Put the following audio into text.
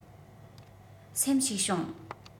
སེམས ཞིག བྱུང